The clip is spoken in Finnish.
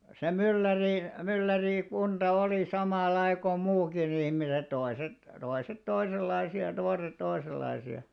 se - myllärikunta oli samanlaista kuin muutkin ihmiset toiset toiset toisenlaisia ja toiset toisenlaisia